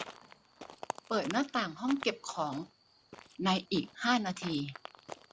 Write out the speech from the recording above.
เปิดหน้าต่างห้องเก็บของในอีกห้านาที